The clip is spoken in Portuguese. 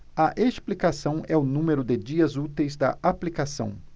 a explicação é o número de dias úteis da aplicação